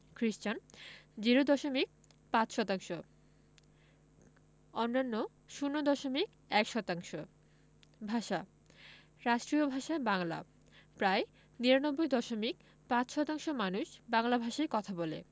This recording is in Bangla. খ্রিস্টান ০দশমিক ৫ শতাংশ অন্যান্য ০দশমিক ১ শতাংশ ভাষাঃ রাষ্ট্রীয় ভাষা বাংলা প্রায় ৯৯দশমিক ৫শতাংশ মানুষ বাংলা ভাষায় কথা বলে